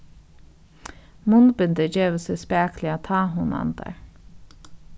munnbindið gevur seg spakuliga tá hon andar